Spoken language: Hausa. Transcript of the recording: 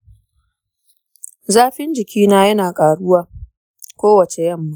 zafin jikina yana ƙaruwa kowace yamma.